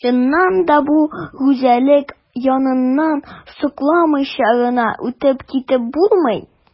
Чыннан да бу гүзәллек яныннан сокланмыйча гына үтеп китеп булмый.